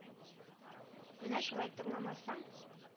Менә шулай, тыңламасаң